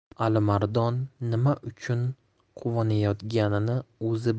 alimardon nima uchun quvonayotganini o'zi